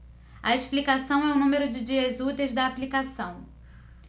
a explicação é o número de dias úteis da aplicação